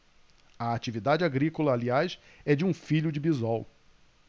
a atividade agrícola aliás é de um filho de bisol